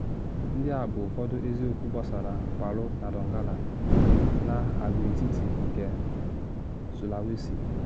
Ndị a bụ ụfọdụ eziokwu gbasara Palu na Donggala, n’agwaetiti nke Sulawesi: